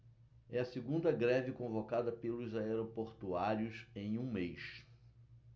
é a segunda greve convocada pelos aeroportuários em um mês